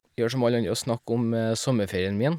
Gjør som alle andre og snakke om sommerferien min.